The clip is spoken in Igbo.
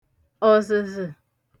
ọ̀zə̣̀zə̣̀